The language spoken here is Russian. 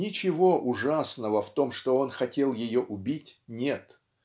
ничего ужасного в том, что он хотел ее убить, нет.